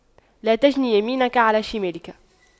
لا تجن يمينك على شمالك